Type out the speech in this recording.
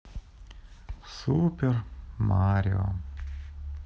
супер марио